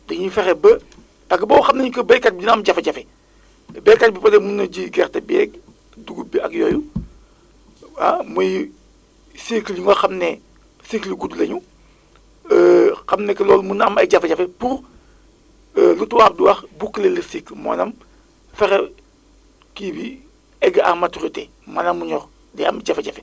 dañuy fexe ba parce que xam nañ que ni béykat bi dina am jafe-jafe béykat bi peut être mun na ji gerte beeg dugub bi ak yooyu ah muy cycle yu nga xam ne cycle yu gudd la ñu xam ne que loolu mun na am ay jafe-jafe pour lu tubaab di wax boucler le cycle maanaam fexe kii bi egg à maturité maanaam mu ñor day am jafe-jafe